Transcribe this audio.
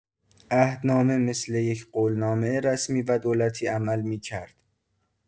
عهدنامه مثل یک قول‌نامهٔ رسمی و دولتی عمل می‌کرد.